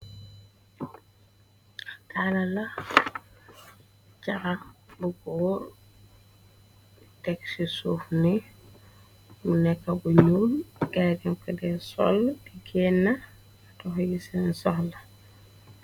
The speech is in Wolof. Dalala charax bu goor tegusi suuf nii mu neka bu ñuul guy diko de soll pur genna di doxi sen soxla.